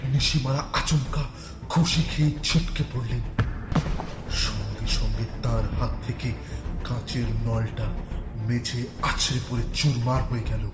Nishimura আচমকা ঘুসি খেয়ে ছিটকে পড়ে রইল সঙ্গে সঙ্গে তার হাত থেকে কাচের নলটা মেঝে আছড়ে পড়ে চুরমার হয়ে গেল